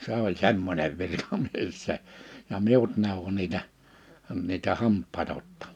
se oli semmoinen virkamies se ja minut neuvoi niitä niitä hampaita ottamaan